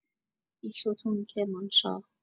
بیستون، کرمانشاه